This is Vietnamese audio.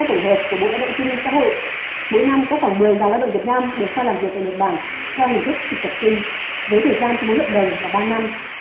theo tổng hợp của bộ lao động thương binh xã hội mỗi năm có khoảng mười ngàn lao động việt nam được sang làm việc tại nhật bản theo hình thức thực tập sinh với thời gian cho mỗi hợp đồng là ba năm